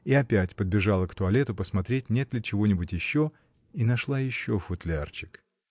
И опять подбежала к туалету посмотреть, нет ли чего-нибудь еще, и нашла еще футлярчик.